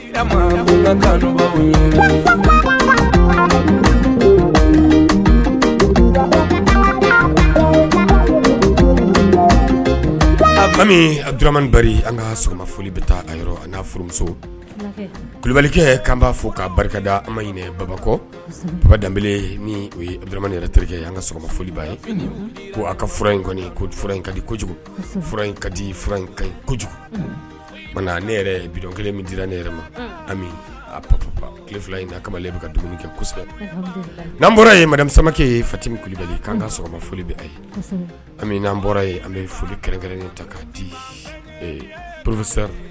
Ura an ka sɔgɔmaoli bɛ taamuso kulubalikɛ'an b'a fɔ ka barika an ɲini baba baba ni terikɛ ye an ka sɔgɔmaoliba ye ko a ka fura in kɔni in kadi kojugu in ka di ka kojugu ne bi kelen min dira ne yɛrɛ ma a fila in kamalen i bɛ ka dumuni kɛ kosɛbɛ n'an bɔra ye masakɛ ye fati minli kulubali' ka sɔgɔmaoli bɛ a ye ami n'an bɔra an bɛ foli kɛrɛn ta k'a di porosa